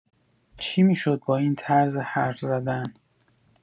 چی می‌شد با این طرز حرف‌زدن؟